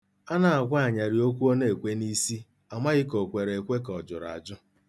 A na-agwa anyarị okwu ọ na-ekwe n'isi, amaghị ka o kwere ekwe ka ọ jụrụ ajụ.